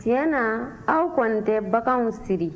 tiɲɛ na aw kɔni tɛ baganw siri